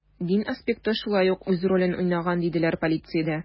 Дин аспекты шулай ук үз ролен уйнаган, диделәр полициядә.